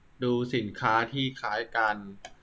ดูสินค้าที่คล้ายกัน